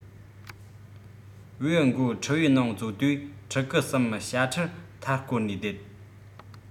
བེའུ མགོ ཕྲུ བའི ནང བཙོ དུས ཕྲུ གུ གསུམ ཤ ཕྲུར མཐའ སྐོར ནས བསྡད